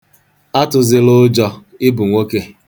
Atụzila ụjọ, ị bụ nwoke